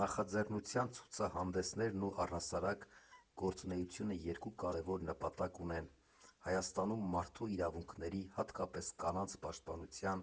Նախաձեռնության ցուցահանդեսներն ու, առհասարակ, գործունեությունը երկու կարևոր նպատակ ունեն՝ Հայաստանում մարդու իրավունքների, հատկապես՝ կանանց, պաշտպանություն